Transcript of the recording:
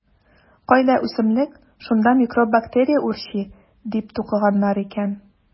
Кайда үсемлек - шунда микроб-бактерия үрчи, - дип тукыганнар икән.